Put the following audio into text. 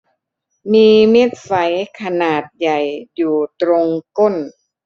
มีเม็ดไฝขนาดใหญ่อยู่ตรงก้น